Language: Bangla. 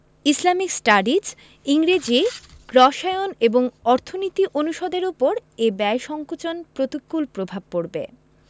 ইসলামিক স্টাডিজ ইংরেজি রসায়ন এবং অর্থনীতি অনুষদের ওপর এ ব্যয় সংকোচনের প্রতিকূল প্রভাব পড়বে